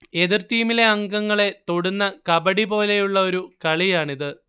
എതിർ ടീമിലെ അംഗങ്ങളെ തൊടുന്ന കബഡിപോലുള്ള ഒരു കളിയാണിത്